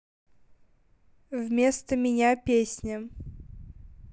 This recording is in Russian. вместо меня песня